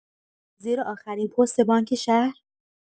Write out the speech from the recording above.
زیر آخرین پست‌بانک شهر